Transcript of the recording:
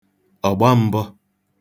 ọ̀gba m̄bọ̄